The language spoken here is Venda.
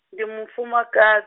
ndi mufumaka-.